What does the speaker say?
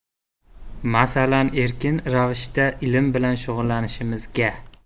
masalan erkin ravishda ilm bilan shug'ullanishimizga